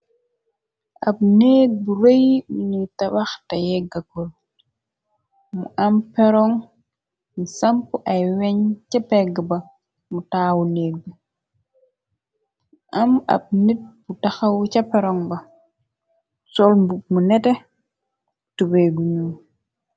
Ab neeg bu rëy, minuy tawax te yegga kol, mu am perong ni samp ay weñ ca pegg ba mu taawu negg, am ab nit bu taxaw ca perong ba, sol mbu mu nete, tubee gu nu.